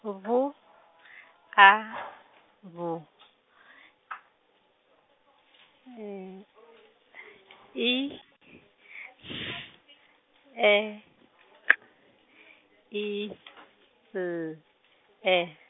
u- V, A , V , I, S, E, K, I , L, E.